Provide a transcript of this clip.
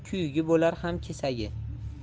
kuyugi bo'lar ham kesagi